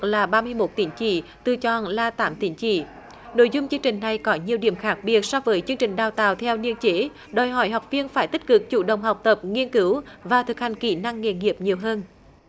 là ba mươi mốt tín chỉ tự chọn là tám tín chỉ nội dung chương trình này có nhiều điểm khác biệt so với chương trình đào tạo theo niên chế đòi hỏi học viên phải tích cực chủ động học tập nghiên cứu và thực hành kỹ năng nghề nghiệp nhiều hơn